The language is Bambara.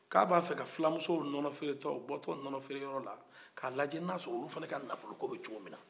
k'a b'a fɛ ka fulamuso nɔnɔ feere tɔ u bɔ tɔ nɔnɔ feere yɔrɔ la ka lajɛ n'a sɔrɔra olu fana ka nafolo ko bɛ cogoya min na